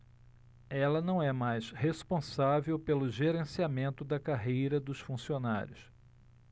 ela não é mais responsável pelo gerenciamento da carreira dos funcionários